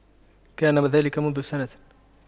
كان ذلك منذ سنة